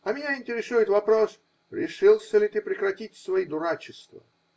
-- А меня интересует вопрос, решился ли ты прекратить свои дурачества?